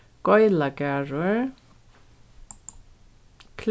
geilagarður